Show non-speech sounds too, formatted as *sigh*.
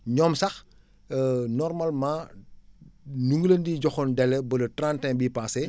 ñoom sax *hesitation* normalement ñu ngi leen di joxoon délai ba le 31 bii passé